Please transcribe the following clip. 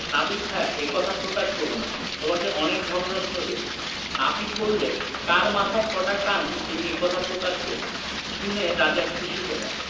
নাপিত ভায়া এ কথা প্রকাশ কর না তোমাকে অনেক ধনরত্ন দেব নাপিত বললে কার মাথায় কটা কান যে এ কথা প্রকাশ করব শুনে রাজা খুশি হলেন